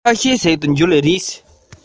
འཕྲོག པར མི འགྱུར ན འང